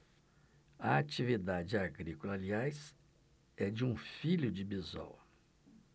a atividade agrícola aliás é de um filho de bisol